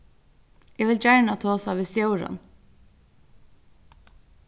eg vil gjarna tosa við stjóran